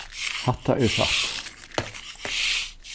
hatta er satt